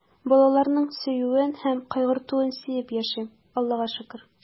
Балаларның сөюен һәм кайгыртуын сизеп яшим, Аллага шөкер.